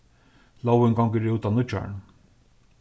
lógin gongur út á nýggjárinum